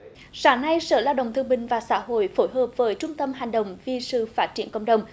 sáng nay sở lao động thương binh và xã hội phối hợp với trung tâm hành động vì sự phát triển cộng đồng